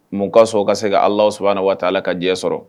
Mun ka sɔn ka se ka ala s na waa la ka diɲɛ sɔrɔ